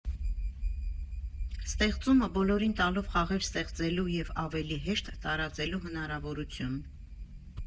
) ստեղծումը՝ բոլորին տալով խաղեր ստեղծելու և ավելի հեշտ տարածելու հնարավորություն։